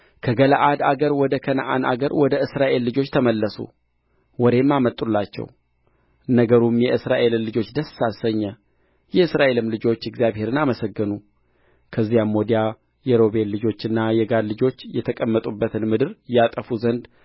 ከገለዓድ አገር ወደ ከነዓን አገር ወደ እስራኤል ልጆች ተመለሱ ወሬም አመጡላቸው ነገሩም የእስራኤልን ልጆች ደስ አሰኘ የእስራኤልም ልጆች እግዚአብሔርን አመሰገኑ ከዚያም ወዲያ የሮቤል ልጆችና የጋድ ልጆች የተቀመጡባትን ምድር ያጠፉ ዘንድ